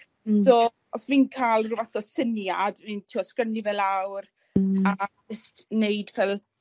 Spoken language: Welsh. Hmm. So os fi'n ca'l ryw fath o syniad fi'n t'wo' sgrennu fe lawr. Hmm. A jyst neud fel